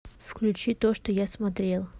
включи то что я смотрел